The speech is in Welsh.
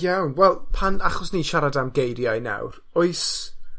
Iawn, wel, pan... Achos ni'n siarad am geiriau nawr, oes,